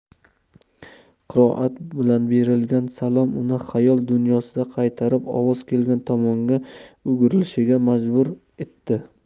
qiroat bilan berilgan salom uni xayol dunyosidan qaytarib ovoz kelgan tomonga o'girilishiga majbur etdi